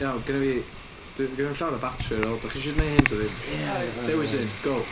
Iawn, gynna fi- gynna fi'm llawar o batri ar ôl, 'dach chi isio neud hyn ta ddim? Ia. Oes. Dewis hyn, go!